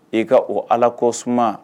I ka o Ala kɔsuma